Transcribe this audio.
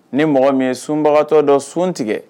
Ni mɔgɔ min ye sunbagatɔ dɔ sun tigɛ